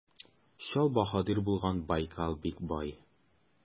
Чал баһадир булган Байкал бик бай.